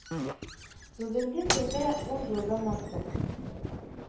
Бүгенге көндә ун елдан артык